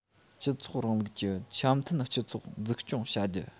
སྤྱི ཚོགས རིང ལུགས ཀྱི འཆམ མཐུན སྤྱི ཚོགས འཛུགས སྐྱོང བྱ རྒྱུ